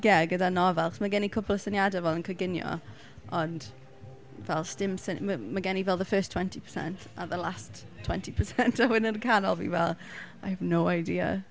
Ie gyda nofel... achos ma' gen i cwpl o syniadau fel yn coginio, ond fel 'sdim syn-... ma' ma' gen i the first twenty percent a the last twenty percent a wedyn yn y canol fi fel I have no idea.